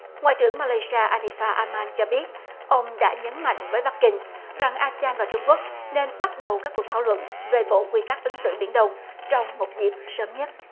ngoại trưởng ma lay si a a ni pha a man cho biết ông đã nhấn mạnh với bắc kinh rằng a si an và trung quốc nên bắt đầu các cuộc thảo luận về bộ quy tắc ứng xử biển đông trong một dịp sớm nhất